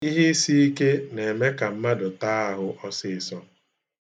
Ihe isi ike na-eme ka mmadụ taa ahụ ọsiisọ.